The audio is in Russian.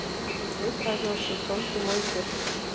смотреть радио шансон прямой эфир